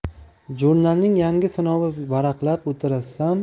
jurnalning yangi sonini varaqlab o'tirsam